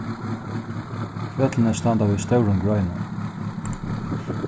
fjøllini standa við stórum greinum